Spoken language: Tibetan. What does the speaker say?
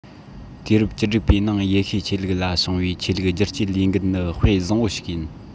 དུས རབས བཅུ དྲུག པའི ནང ཡེ ཤུའི ཆོས ལུགས ལ བྱུང བའི ཆོས ལུགས བསྒྱུར བཅོས ལས འགུལ ནི དཔེ བཟང པོ ཞིག ཡིན